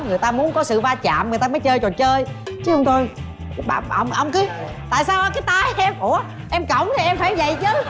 người ta muốn có sự va chạm người ta mới chơi trò chơi chứ không thôi bà bà ỏng cứ tại sao cái tay em ủa em cõng thì em phải dậy chứ